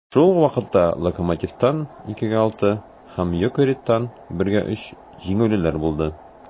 Шул ук вакытта "Локомотив"тан (2:6) һәм "Йокерит"тан (1:3) җиңелүләр булды.